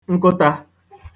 nkụtā